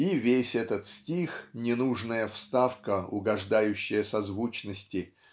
и весь этот стих -- ненужная вставка угождающая созвучности